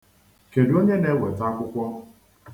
Kedụ onye na-eweta akwụkwọ?